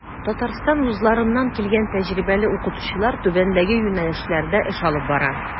Татарстан вузларыннан килгән тәҗрибәле укытучылар түбәндәге юнәлешләрдә эш алып бара.